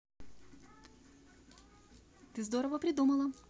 ты здорово придумала